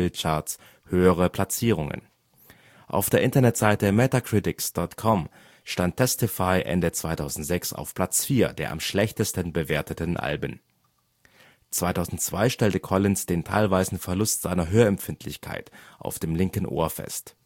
AC-Charts höhere Platzierungen. Auf der Internetseite metacritics.com stand Testify Ende 2006 auf Platz 4 der am schlechtesten bewerteten Alben. 2002 stellte Collins den teilweisen Verlust seiner Hörempfindlichkeit auf dem linken Ohr fest